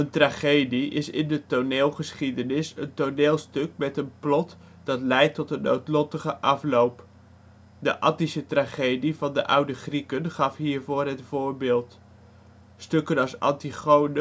tragedie is in de toneelgeschiedenis een toneelstuk met een plot dat leidt tot een noodlottige afloop. De Attische tragedie van de oude Grieken gaf hiervoor het voorbeeld. Stukken als Antigone